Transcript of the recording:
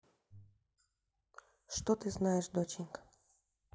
что ты знаешь доченька